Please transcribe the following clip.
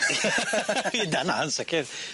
Na na yn sicir.